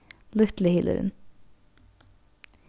lítli hylurin